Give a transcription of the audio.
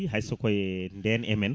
hay soko e nden emen